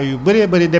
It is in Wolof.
boobu la picc yi aggsi